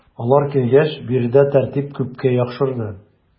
Алар килгәч биредә тәртип күпкә яхшырды.